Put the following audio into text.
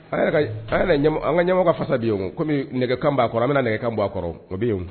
An ka ɲɛmɔgɔ ka fasa di yen o kɔmi nɛgɛ kan' a kɔrɔ an bɛna nɛgɛ ka bɔ a kɔrɔ o bɛ yen